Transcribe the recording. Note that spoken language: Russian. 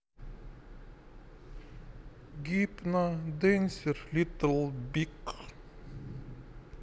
гипно денсер литл биг